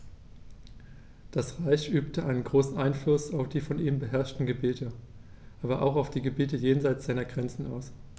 Das Reich übte einen großen Einfluss auf die von ihm beherrschten Gebiete, aber auch auf die Gebiete jenseits seiner Grenzen aus.